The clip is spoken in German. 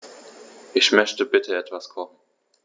Ich möchte bitte etwas kochen.